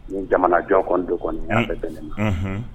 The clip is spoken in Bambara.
N jamana jɔn kɔni don kɔni'fɛ bɛn ne ma